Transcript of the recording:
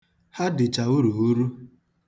Ha dicha urughuru.